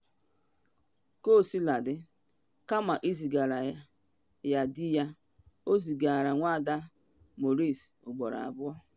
Kaosiladị, kama izigara ya di ya, o zigara Nwada Maurice ugboro abụọ.